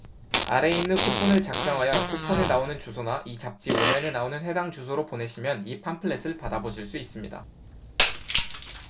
아래에 있는 쿠폰을 작성하여 쿠폰에 나오는 주소나 이 잡지 오 면에 나오는 해당 주소로 보내시면 이 팜플렛을 받아 보실 수 있습니다